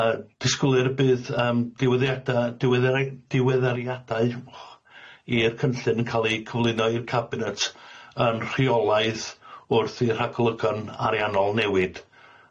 Y- disgwylir y bydd yym diwyddiada- diweddere- diweddariadau i'r cynllun yn ca'l eu cyflwyno i'r cabinet yn rheolaidd wrth i'r rhagolygon ariannol newid.